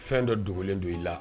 Fɛn dɔ don kelen don i la